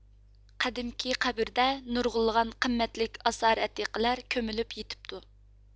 قەدىمكى قەبرىدە نۇرغۇنلىغان قىممەتلىك ئاسارئەتىقىلەر كۆمۈلۈپ يېتىپتۇ